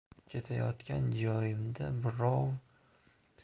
ketayotgan joyimda birrov